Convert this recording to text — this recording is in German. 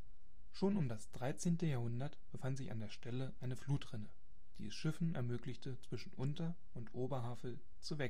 Schon um das 13. Jahrhundert befand sich an der Stelle eine Flutrinne, die es Schiffen ermöglichte zwischen Unter - und Oberhavel zu wechseln